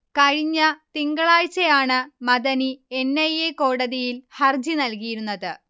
കഴിഞ്ഞ തിങ്കളാഴ്ചയാണ് Madani N. I. A കോടതിയിൽ ഹർജി നൽകിയിരുന്നത്